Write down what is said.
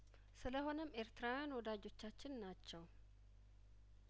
ስለሆነም ኤርትራውያን ወዳጆቻችን ናቸው